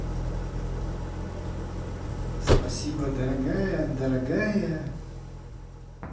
спасибо дорогая дорогая